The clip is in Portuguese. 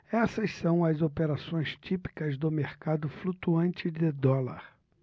essas são as operações típicas do mercado flutuante de dólar